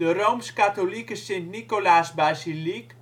rooms-katholieke Sint-Nicolaasbasiliek